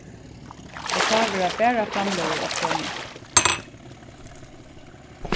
og tá verða bara framløgur skránni